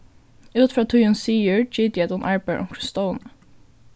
út frá tí hon sigur giti eg at hon arbeiðir á onkrum stovni